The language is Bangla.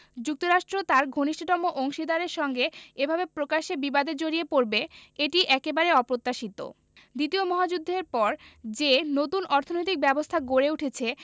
যুক্তরাষ্ট্র তার ঘনিষ্ঠতম অংশীদারদের সঙ্গে এভাবে প্রকাশ্যে বিবাদে জড়িয়ে পড়বে এটি একেবারে অপ্রত্যাশিত দ্বিতীয় মহাযুদ্ধের পর যে নতুন অর্থনৈতিক ব্যবস্থা গড়ে উঠেছে